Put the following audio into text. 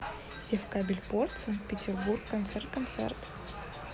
севкабель порт санкт петербург конце концерт